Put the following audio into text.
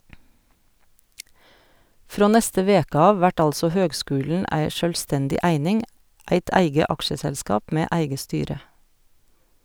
Frå neste veke av vert altså høgskulen ei sjølvstendig eining, eit eige aksjeselskap med eige styre.